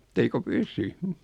että eikö pysy